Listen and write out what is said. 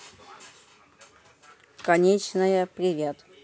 конченная привет